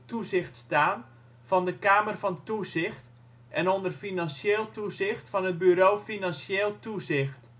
staan van de Kamer van Toezicht en onder financieel toezicht van het Bureau Financieel Toezicht